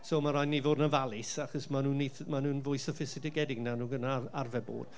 so ma raid i ni fod yn ofalus, achos maen nhw'n eith- maen nhw'n fwy soffistigedig na arfer bod.